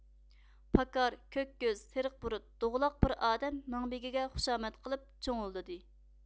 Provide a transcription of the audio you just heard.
پاكار كۆك كۆز سېرىق بۇرۇت دوغىلاق بىر ئادەم مىڭبېگىگە خۇشامەت قىلىپ چۇڭۇلدىدى